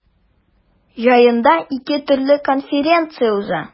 Җыенда ике төрле конференция уза.